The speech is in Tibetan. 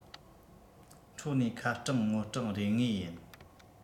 འཕྲོག ནས ཁ སྐྲང ངོ སྐྲང རེད ངེས ཡིན